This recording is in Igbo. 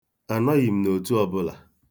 Anọghị m n'otu ọbụla.